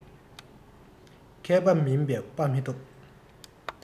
མཁས པ མིན པས དཔའ མི ཐོབ